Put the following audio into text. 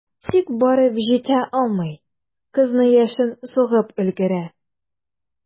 Тик барып җитә алмый, кызны яшен сугып өлгерә.